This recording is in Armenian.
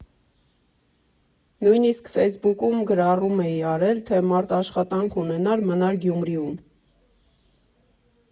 Նույնիսկ Ֆեյսբուքում գրառում էի արել, թե՝ մարդ աշխատանք ունենար, մնար Գյումրիում։